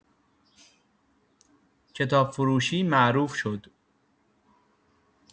کتاب‌فروشی معروف شد.